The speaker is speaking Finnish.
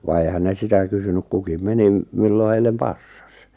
vaan eihän ne sitä kysynyt kukin meni milloin heille passasi